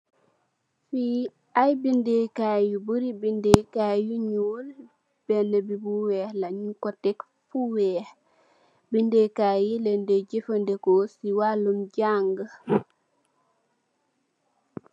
Fii ay bindëy kaay yu bari, ay bindëy kaay, yu ñuul, beenë bi bu weex la, ñung ko tek fu weex, bindëy kaay yii lañ dey jafëndeko, si waalum jaangë.